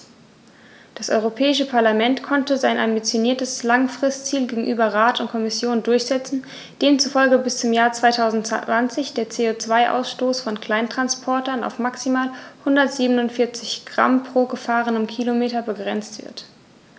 Das Europäische Parlament konnte sein ambitioniertes Langfristziel gegenüber Rat und Kommission durchsetzen, demzufolge bis zum Jahr 2020 der CO2-Ausstoß von Kleinsttransportern auf maximal 147 Gramm pro gefahrenem Kilometer begrenzt wird.